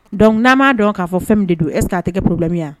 Donc n'a m'a dɔn k'a fɔ fɛn min de don es ka aa tɛgɛ poro lami